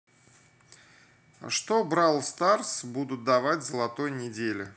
что brawl stars будут давать золотой недели